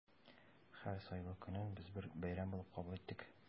Һәр сайлау көнен без бер бәйрәм булып кабул иттек.